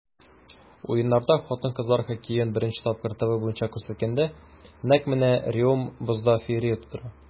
Уеннарда хатын-кызлар хоккеен беренче тапкыр ТВ буенча күрсәткәндә, нәкъ менә Реом бозда феерия тудыра.